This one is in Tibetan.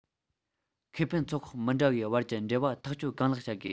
ཁེ ཕན ཚོགས ཁག མི འདྲ བའི བར གྱི འབྲེལ བ ཐག གཅོད གང ལེགས བྱ དགོས